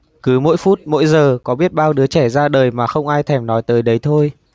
cứ mỗi phút mỗi giờ có biết bao đứa trẻ ra đời mà không ai thèm nói tới đấy thôi